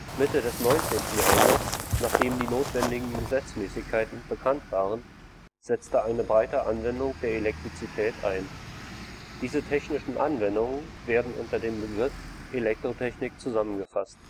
Mitte des 19. Jahrhunderts, nachdem die notwendigen Gesetzmäßigkeiten bekannt waren, setzte eine breite Anwendung der Elektrizität ein. Diese technischen Anwendungen werden unter dem Begriff Elektrotechnik zusammengefasst